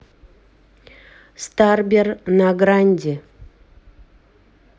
старбер на гранде